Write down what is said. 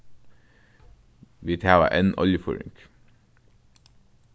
vit hava enn oljufýring